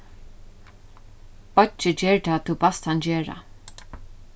beiggi ger tað tú baðst hann gera